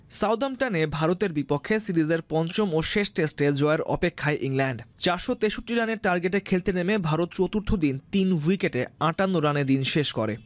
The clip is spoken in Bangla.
সাউদাম্পটন এ ভারতের বিপক্ষে সিরিজের পঞ্চম ও শেষ টেস্ট এল জুয়ার অপেক্ষায় ইংল্যান্ড ৪৬৩ রানের টার্গেটে খেলতে নেমে ভারত চতুর্থ দিন ৩ উইকেটে ৫৮ রানে দিন শেষ করে